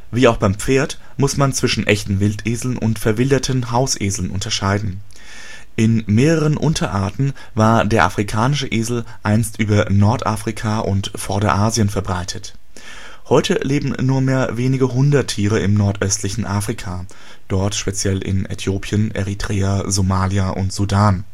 Wie auch beim Pferd muss man zwischen echten Wildeseln und verwilderten Hauseseln unterscheiden. In mehreren Unterarten war der Afrikanische Esel einst über Nordafrika und Vorderasien verbreitet, heute leben nur mehr wenige hundert Tiere im nordöstlichen Afrika (Äthiopien, Eritrea, Somalia und Sudan